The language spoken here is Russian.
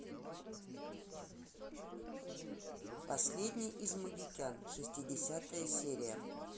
последний из магикян шестидесятая серия